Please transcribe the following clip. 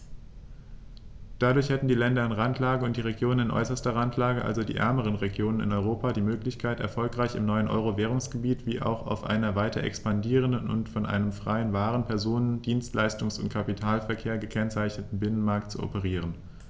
Dadurch hätten die Länder in Randlage und die Regionen in äußerster Randlage, also die ärmeren Regionen in Europa, die Möglichkeit, erfolgreich im neuen Euro-Währungsgebiet wie auch auf einem weiter expandierenden und von einem freien Waren-, Personen-, Dienstleistungs- und Kapitalverkehr gekennzeichneten Binnenmarkt zu operieren.